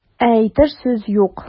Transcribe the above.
Ә әйтер сүз юк.